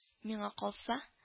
Миңа калса